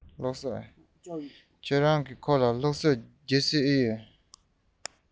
ཁྱེད རང གིས ཁོ ལ སློབ གསོ རྒྱག གི ཡོད པས